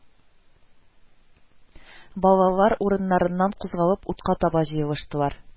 Балалар, урыннарыннан кузгалып, утка таба җыелыштылар